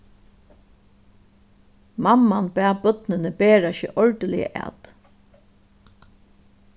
mamman bað børnini bera seg ordiliga at